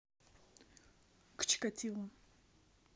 к чикатило